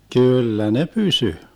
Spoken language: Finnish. kyllä ne pysyi